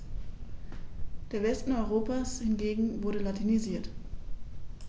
Der Westen Europas hingegen wurde latinisiert.